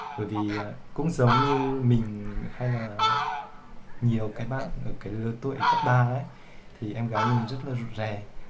cũng giống như mình hay các bạn khác ở lứa tuổi cấp em gái mình rất rụt rè